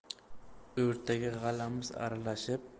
o'rtaga g'alamis aralashib